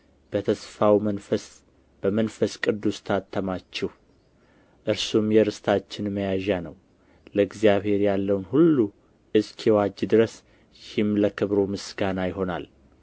በተስፋው መንፈስ በመንፈስ ቅዱስ ታተማችሁ እርሱም የርስታችን መያዣ ነው ለእግዚአብሔር ያለውን ሁሉ እስኪዋጅ ድረስ ይህም ለክብሩ ምስጋና ይሆናል